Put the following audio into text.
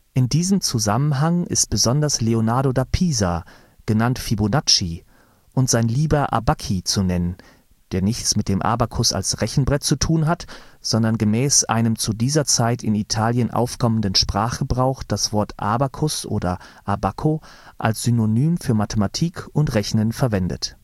In diesem Zusammenhang ist besonders Leonardo da Pisa, genannt Fibonacci, und sein Liber abbaci zu nennen, der nichts mit dem Abacus als Rechenbrett zu tun hat, sondern gemäß einem zu dieser Zeit in Italien aufkommenden Sprachgebrauch das Wort abacus oder „ abbacco “als Synonym für Mathematik und Rechnen verwendet